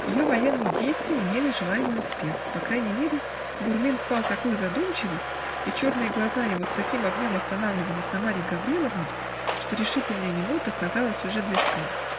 Ее военные действия имели желаемый успех: по крайней мере Бурмин впал в такую задумчивость и черные глаза его с таким огнем останавливались на Марье Гавриловне, что решительная минута, казалось, уже близка.